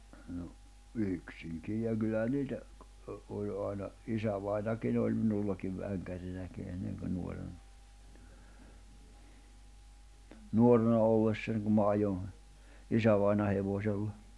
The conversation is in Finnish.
no yksinkin ja kyllähän niitä oli aina isävainajakin oli minullakin vänkärinäkin ennen kun nuorena nuorena ollessani kun minä ajoin isävainajan hevosella